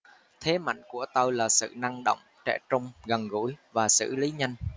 thế mạnh của tôi là sự năng động trẻ trung gần gũi và xử lý nhanh